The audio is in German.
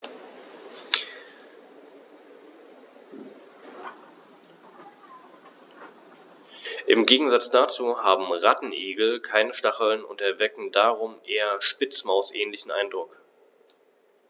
Im Gegensatz dazu haben Rattenigel keine Stacheln und erwecken darum einen eher Spitzmaus-ähnlichen Eindruck.